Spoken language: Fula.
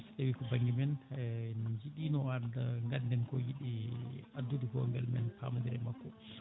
tawi o banggue men en jiiɗino o adda ganden ko yiiɗi addude ko beel men pamodiren e makko